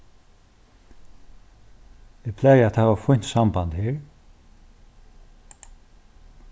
eg plagi at hava fínt samband her